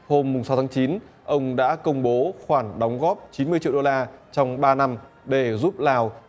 hôm mùng sáu tháng chín ông đã công bố khoản đóng góp chín mươi triệu đô la trong ba năm để giúp lào